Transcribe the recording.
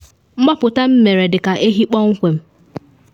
Mgbapụta mere m dị ka ehi kpọmkwem.